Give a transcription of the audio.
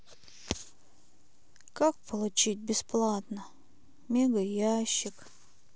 как получить бесплатно мега ящик